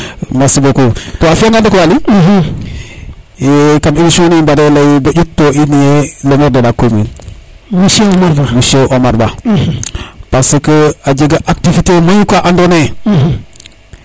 merci beaucoup kon a fiya ngan rek Waly kam émission ne i mbare ley bo ƴut to i ne e le maire de la commune Monsieur Omar Ba parce que a jega activité mayu ka ando naye